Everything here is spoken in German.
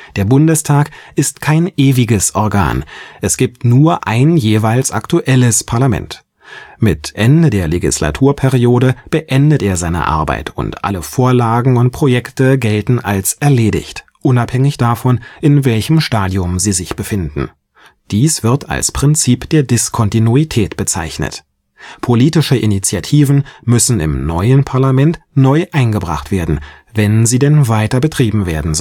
Der Bundestag ist kein ewiges Organ, es gibt nur ein jeweils aktuelles Parlament. Mit Ende der Legislaturperiode beendet er seine Arbeit und alle Vorlagen und Projekte gelten als erledigt, unabhängig davon in welchem Stadium sie sich befinden. Dies wird als Prinzip der Diskontinuität bezeichnet. Politische Initiativen müssen im neuen Parlament neu eingebracht werden, wenn sie denn weiter betrieben werden